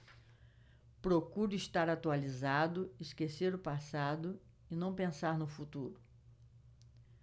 procuro estar atualizado esquecer o passado e não pensar no futuro